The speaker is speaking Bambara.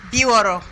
Bi wɔɔrɔ